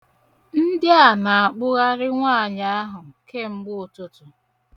Ndị a na-akpụgharị nwaanyị ahụ kemgbe ụtụtụ.